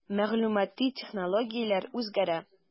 Мәгълүмати технологияләр үзгәрә.